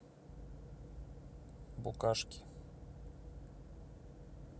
букашки